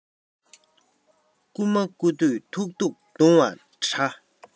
རྐུན མ རྐུ དུས ཐུག ཐུག རྡུང བ འདྲ